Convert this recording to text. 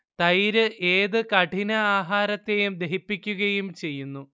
തൈര് ഏത് കഠിന ആഹാരത്തെയും ദഹിപ്പിക്കുകയും ചെയ്യുന്നു